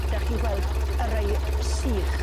'Dach chi'n gweld y rei sych?